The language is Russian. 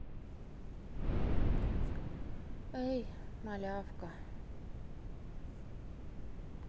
эй малявка